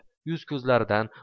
yuz ko'zlaridan